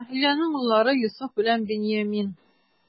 Рахиләнең уллары: Йосыф белән Беньямин.